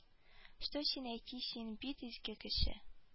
Что син әти син бит изге кеше